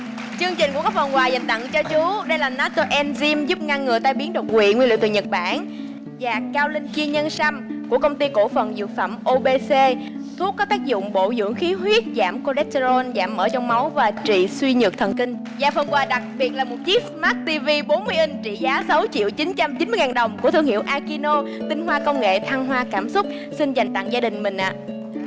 chương trình cũng có phần quà dành tặng cho chú đây là nát tô en dim giúp ngăn ngừa tai biến đột quỵ nguyên liệu từ nhật bản và cao linh chi nhân sâm của công ty cổ phần dược phẩm ô bê xê thuốc có tác dụng bổ dưỡng khí huyết giảm cô lét tê rôn giảm mỡ trong máu và trị suy nhược thần kinh và phần quà đặc biệt là một chiếc sờ mát ti vi bốn mươi inh trị giá sáu triệu chín trăm chín mươi ngàn đồng của thương hiệu a ki nô tinh hoa công nghệ thăng hoa cảm xúc xin dành tặng gia đình mình ạ